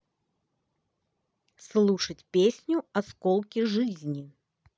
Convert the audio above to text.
слушать песню осколки жизни